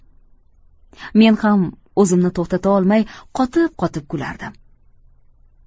men ham o'zimni to'xtata olmay qotib qotib kulardim